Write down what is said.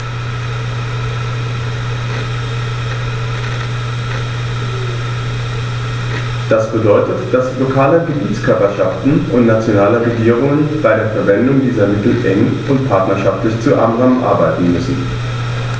Das bedeutet, dass lokale Gebietskörperschaften und nationale Regierungen bei der Verwendung dieser Mittel eng und partnerschaftlich zusammenarbeiten müssen.